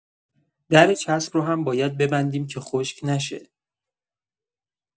در چسب رو هم باید ببندیم که خشک نشه.